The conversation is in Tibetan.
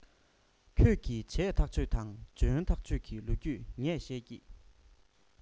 ཁྱོད ཀྱིས བྱས ཐག ཆོད དང འཇོན ཐག ཆོད ཀྱི ལོ རྒྱུས ངས བཤད ཀྱིས